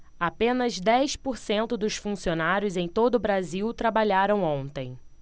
apenas dez por cento dos funcionários em todo brasil trabalharam ontem